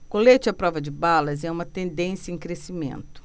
colete à prova de balas é uma tendência em crescimento